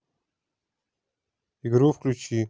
игру включи